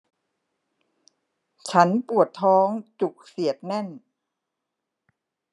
ฉันปวดท้องจุกเสียดแน่น